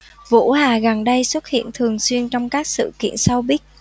vũ hà gần đây xuất hiện thường xuyên trong các sự kiện showbiz